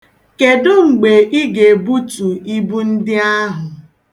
Kedụ mgbe ị ga-ebutu ibu ndị ahụ?